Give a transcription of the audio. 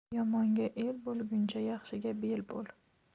yomonga el bo'lguncha yaxshiga bel bo'l